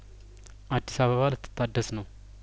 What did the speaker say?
አዲስ አበባ ልት ታደስ ነው